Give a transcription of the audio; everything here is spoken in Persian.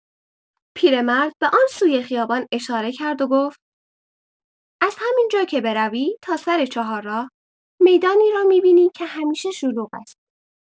پیرمرد به آن سوی خیابان اشاره کرد و گفت: «از همین‌جا که بروی تا سر چهارراه، می‌دانی را می‌بینی که همیشه شلوغ است.»